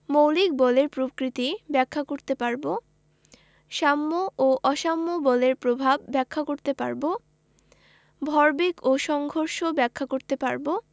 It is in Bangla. মৌলিক বলের প্রকৃতি ব্যাখ্যা করতে পারব সাম্য ও অসাম্য বলের প্রভাব ব্যাখ্যা করতে পারব ভরবেগ এবং সংঘর্ষ ব্যাখ্যা করতে পারব